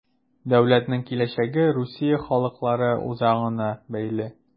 Дәүләтнең киләчәге Русия халыклары үзаңына бәйле.